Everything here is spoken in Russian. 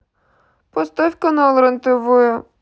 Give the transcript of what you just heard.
поставь канал рен тв